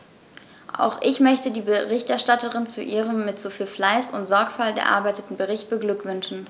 Auch ich möchte die Berichterstatterin zu ihrem mit so viel Fleiß und Sorgfalt erarbeiteten Bericht beglückwünschen.